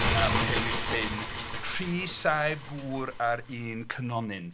Ymm "rhewyd llyn, rhy saif gŵr ar un cynonyn"